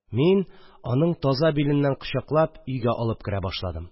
Мин, аның таза биленнән кочаклап, өйгә алып керә башладым